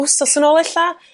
wsos yn ôl ella